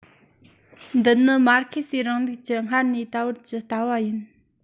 འདི ནི མར ཁེ སིའི རིང ལུགས ཀྱི སྔར ནས ད བར གྱི ལྟ བ ཡིན